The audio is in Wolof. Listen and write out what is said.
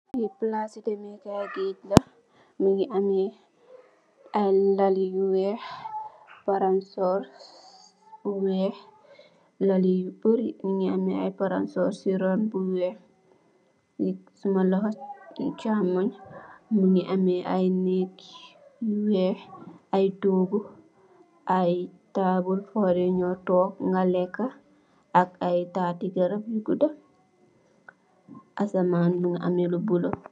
fe palasi demehkai geej la mingi ameh ay Lal yu weex ay palansoor yu weex Lal yu bari mungi ameh ay palansoor si run yu weex suma loho chamonj mungi ameh ay neek yu weex ay togu ay taabul fodeh nyow tog nga leka ak ayy tati garap yu guda asamane mungi am lu bulo